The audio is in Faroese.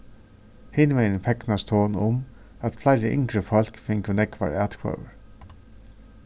hinvegin fegnast hon um at fleiri yngri fólk fingu nógvar atkvøður